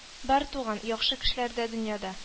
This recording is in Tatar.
Бар, туган, яхшы кешеләр дөньяда